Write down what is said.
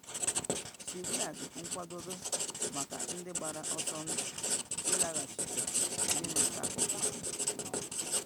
Syria ‘dị nkwadobe’ maka ndị gbara ọsọ ndụ ịlaghachite, Minista Ofesi kwuru